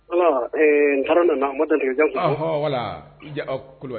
Ala n taara nana ma dan jan